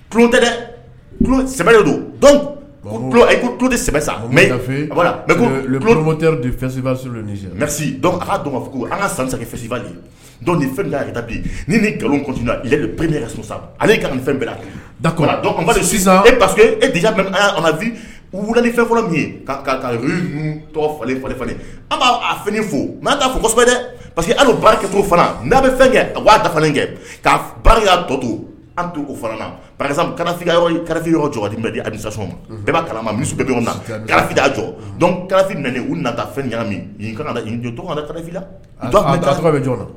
Ku tɛ dɛ sɛbɛ don dɔn sɛbɛ sa ka an ka sansasi dɔn ni fɛn ka ni ni nkalon ka sa ale ka fɛn da sisan e paseke efinli fɛn fɔlɔ ye falen fa falen an b' a fo mɛ da fɔsɛbɛ dɛ pa que baarake' fana n'a bɛ fɛn kɛ a' dafa kɛ k'a barikaya tɔ don an o fana pafin karidi di saso ma bɛɛ' kalama misi bɛ kara jɔ dɔn kara nana u nata fɛn ɲɛna min ka jɔ karafinla la